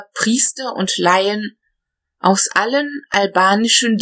Priester und Laien aus allen albanischen